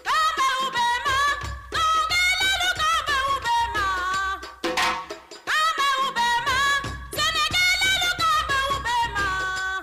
Sokɛ bɛ ma nka ka ba bɛ ba faama bɛ ma tile kun bɛ ba